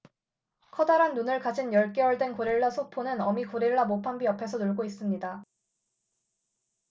커다란 눈을 가진 열 개월 된 고릴라 소포는 어미 고릴라 모팜비 옆에서 놀고 있습니다